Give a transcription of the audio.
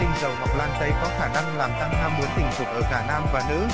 tinh dầu ngọc lan tây có khả năng làm tăng ham muốn tình dục ở cả nam và nữ